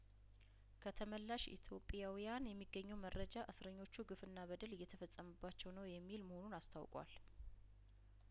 ከተመላሽ ኢትዮጵያውያን የሚገኘው መረጃ እስረኞቹ ግፍና በደል እየተፈጸመባቸው ነው የሚል መሆኑን አስታውቋል